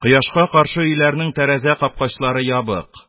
Кояшка каршы өйләрнең тәрәзә капкачлары ябык;